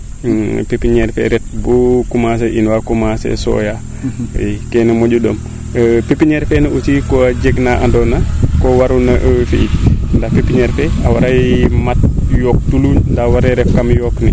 pepeniere fe ret boo commencer in waa commencer sooya i keene moƴu ndom pepeniere feene aussi ko jeg naa andoo na koo waruno fi pepiniere fee a wara mat yook tuluuñ ndaa ware ref kam yooq ne